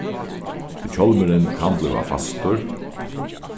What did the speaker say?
tí hjálmurin kann blíva fastur